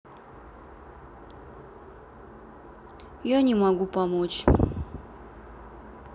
я не могу помочь